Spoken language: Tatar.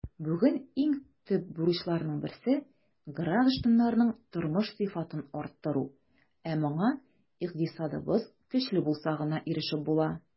Бүген иң төп бурычларның берсе - гражданнарның тормыш сыйфатын арттыру, ә моңа икътисадыбыз көчле булса гына ирешеп була.